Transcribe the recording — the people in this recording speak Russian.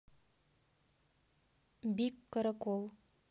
big каракол